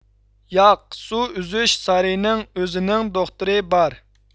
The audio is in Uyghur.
ياق سۇ ئۈزۈش سارىيىنىڭ ئۆزىنىڭ دوختۇرى بار